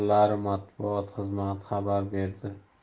yo'llari matbuot xizmati xabar berdi